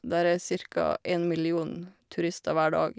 Der er cirka en million turister hver dag.